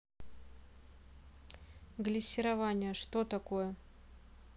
глиссирование что такое